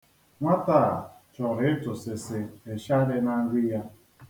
Nwata a chọrọ ịtụsịsị ịsha dị na nri ya.